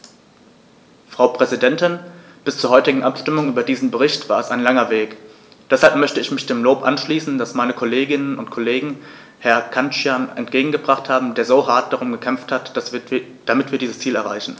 Frau Präsidentin, bis zur heutigen Abstimmung über diesen Bericht war es ein langer Weg, deshalb möchte ich mich dem Lob anschließen, das meine Kolleginnen und Kollegen Herrn Cancian entgegengebracht haben, der so hart darum gekämpft hat, damit wir dieses Ziel erreichen.